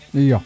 iyo